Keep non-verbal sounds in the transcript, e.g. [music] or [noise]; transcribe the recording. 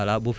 [hesitation] [hesitation]